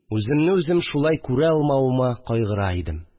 Үземне үзем шулай күрә алмавыма кайгыра идем